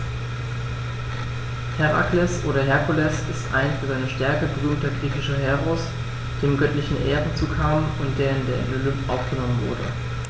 Herakles oder Herkules ist ein für seine Stärke berühmter griechischer Heros, dem göttliche Ehren zukamen und der in den Olymp aufgenommen wurde.